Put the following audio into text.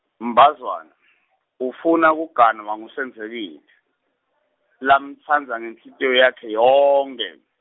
Mbazwana , ufuna kuganwa nguSenzekile , lamtsandza ngenhlitiyo yakhe yonkhe.